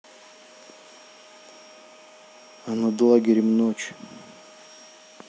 а над лагерем ночь